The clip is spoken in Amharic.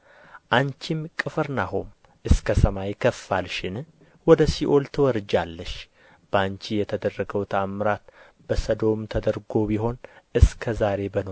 አንቺም ቅፍርናሆም እስከ ሰማይ ከፍ አልሽን ወደ ሲኦል ትወርጃለሽ በአንቺ የተደረገው ተአምራት በሰዶም ተደርጎ ቢሆን እስከ ዛሬ